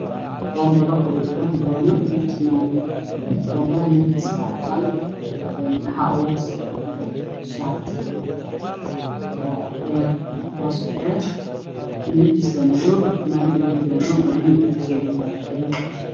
Bobilo kujiro gono io fanand bobilah waa cadan waxa kusikor jiro shati midabkis waa madow io karey